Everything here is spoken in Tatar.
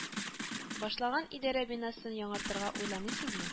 Башлаган идарә бинасын яңартырга уйламыйсызмы